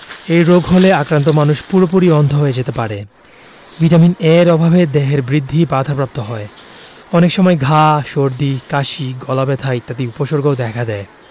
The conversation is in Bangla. এই রোগ হলে আক্রান্ত মানুষ পুরোপুরি অন্ধ হয়ে যেতে পারে ভিটামিন এ এর অভাবে দেহের বৃদ্ধি বাধাপ্রাপ্ত হয় অনেক সময় ঘা সর্দি কাশি গলাব্যথা ইত্যাদি উপসর্গও দেখা দেয়